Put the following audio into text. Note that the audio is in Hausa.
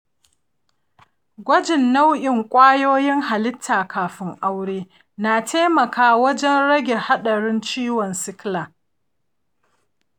gwajin nau’in kwayoyin halitta kafin aure na taimaka wajen rage haɗarin ciwon sikila.